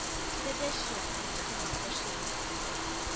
— сердәшем! — дип, сиңа дәшермен.